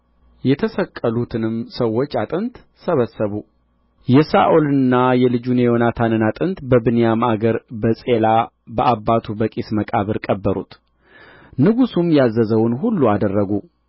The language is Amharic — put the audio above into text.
የተሰቀሉትንም ሰዎች አጥንት ሰበሰቡ የሳኦልንና የልጁን የዮናታንን አጥንት በብንያም አገር በጼላ በአባቱ በቂስ መቃብር ቀበሩት ንጉሡም ያዘዘውን ሁሉ አደረጉ